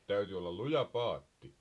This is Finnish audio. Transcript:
täytyi olla luja paatti